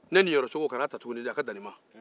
ne niyɔrɔsogo kana a ta tuguni dɛɛ a ka da nin ma